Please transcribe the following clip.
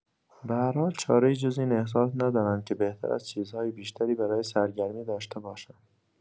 به هر حال چاره‌ای جز این احساس ندارم که بهتر است چیزهای بیشتری برای سرگرمی داشته باشم.